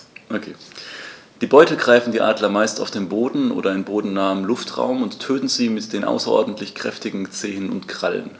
Die Beute greifen die Adler meist auf dem Boden oder im bodennahen Luftraum und töten sie mit den außerordentlich kräftigen Zehen und Krallen.